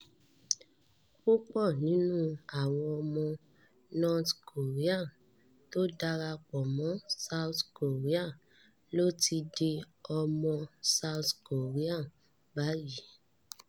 Púpọ̀ nínú àwọn ọmọ North Korea tó darapọ̀ mọ́ South Korea ló ti di ọmọ South Korea báyìí.